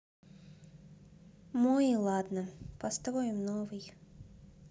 мой ладно построим новый